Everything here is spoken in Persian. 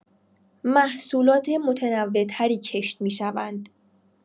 محصولات متنوع‌تری کشت می‌شوند.